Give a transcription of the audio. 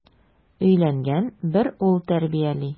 Өйләнгән, бер ул тәрбияли.